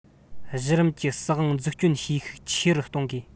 གཞི རིམ གྱི སྲིད དབང འཛུགས སྐྱོང བྱེད ཤུགས ཆེ རུ གཏོང དགོས